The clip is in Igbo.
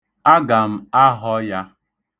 Aga m ahọ ya.